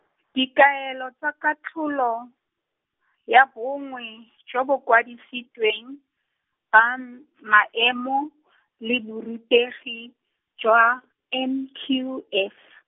dikaelo tsa katlholo, ya bongwe, jo bo kwadisitsweng, ba maemo, le borutegi, jwa N Q F.